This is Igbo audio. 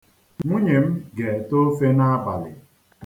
Nwunye m ga-ete ofe n'abalị.